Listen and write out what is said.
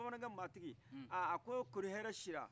bamanankɛ mɔgɔtigi a ko kɔni hɛrɛ sira